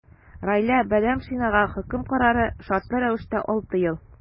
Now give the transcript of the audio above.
Раилә Бадамшинага хөкем карары – шартлы рәвештә 6 ел.